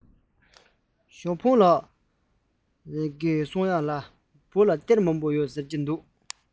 ཞའོ ཧྥུང ལགས ཟེར ཡས ལ བོད ལ གཏེར མང པོ ཡོད རེད ཟེར གྱིས རེད པས